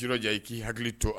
Jija i k'i hakili to